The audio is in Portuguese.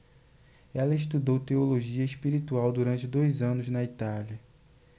ela estudou teologia espiritual durante dois anos na itália